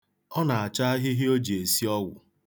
Ọ na-achọ ahịhịa o ji esi ọgwụ.